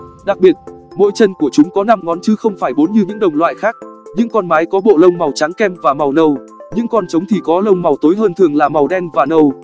đặc biệt mỗi chân của chúng có ngón chứ không phải như những đồng loại khác những con mái có bộ lông màu trắng kem và màu nâu những con trống thì có lông màu tối hơn thường là màu đen và nâu